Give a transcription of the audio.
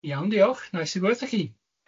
Iawn diolch. Neis i gwrdd â chi.